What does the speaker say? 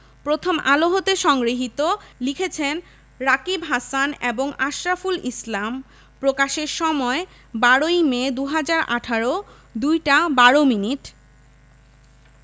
প্রথমআলো হতে সংগৃহীত লিখেছেন রাকিব হাসান এবং আশরাফুল ইসলাম প্রকাশের সময় ১২ইমে ২০১৮ ০২ টা ১২ মিনিট